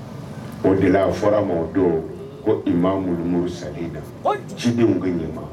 O de la a fɔra ma o don ko Imam Musayidu cidenw ko ɲɛ